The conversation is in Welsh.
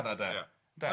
De.